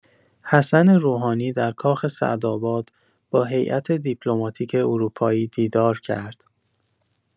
حسن روحانی در کاخ سعدآباد با هیئت دیپلماتیک اروپایی دیدار کرد.